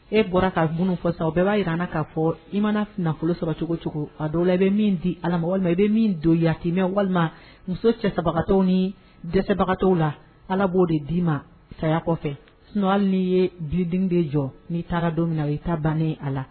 E bɔra ka dunununu fɔ sa u bɛɛ'a jira nna k'a fɔ i mana nafolo saba cogo cogo a dɔ la bɛ min di ala la i bɛ min don yatimɛ walima muso cɛ sababagatɔw ni dɛsɛbagatɔw la ala b'o de d'i ma saya kɔfɛ n ni ye bidi de jɔ n'i taga don min na i taa bannen a la